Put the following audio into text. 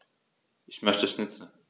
Ich möchte Schnitzel.